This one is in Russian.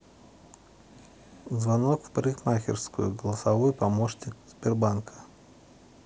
звонок в парикмахерскую голосовой помощник сбербанка